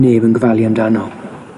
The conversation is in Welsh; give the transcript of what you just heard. neb yn gofalu amdano.